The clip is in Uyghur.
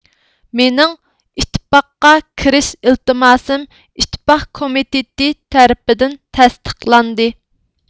مېنىڭ ئىتتىپاققا كىرىش ئىلتىماسىم ئىتتىپاق كومىتېتى تەرىپىدىن تەستىقلاندى